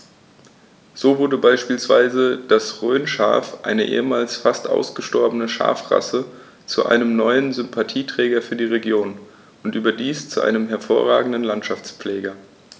So wurde beispielsweise das Rhönschaf, eine ehemals fast ausgestorbene Schafrasse, zu einem neuen Sympathieträger für die Region – und überdies zu einem hervorragenden Landschaftspfleger.